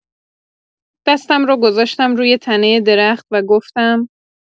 دستم رو گذاشتم روی تنۀ درخت و گفتم: